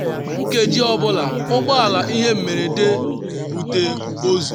“Nkeji ọ bụla ụgbọ ala ihe mberede na-ebute ozu.